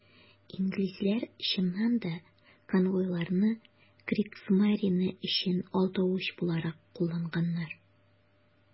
Инглизләр, чыннан да, конвойларны Кригсмарине өчен алдавыч буларак кулланганнар.